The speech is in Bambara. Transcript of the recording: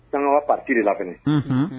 Tanga pati de la kɛnɛ